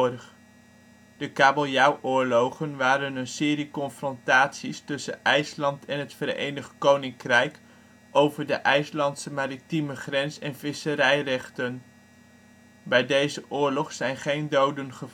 De Kabeljauwoorlogen (Engels:Cod Wars, IJslands: Þorskastríðin) waren een serie confrontaties tussen IJsland en het Verenigd Koninkrijk over de IJslandse maritieme grens en visserijrechten. Bij deze ' oorlogen ' zijn geen doden